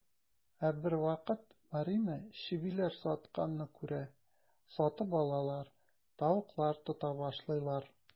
Ә бервакыт Марина чебиләр сатканны күрә, сатып алалар, тавыклар тота башлыйлар.